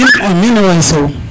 amin amin amin waay Sow